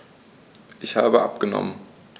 Ich habe abgenommen.